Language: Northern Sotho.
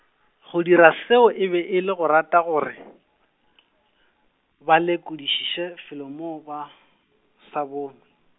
go dira seo e be e le go rata gore , ba lekodišiše felo moo ba, sa bona.